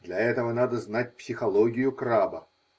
Для этого надо знать психологию краба.